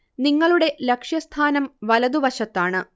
നിങ്ങളുടെ ലക്ഷ്യസ്ഥാനം വലതുവശത്താണ്